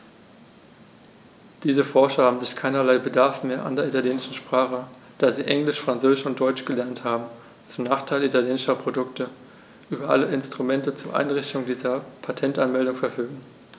Diese Forscher haben sicher keinerlei Bedarf mehr an der italienischen Sprache, da sie Englisch, Französisch und Deutsch gelernt haben und, zum Nachteil italienischer Produkte, über alle Instrumente zur Einreichung dieser Patentanmeldungen verfügen.